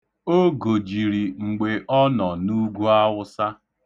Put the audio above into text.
O gojiri mgbe ọ nọ n'ugwuawụsa.